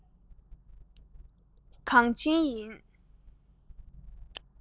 འགངས ཆེན རེད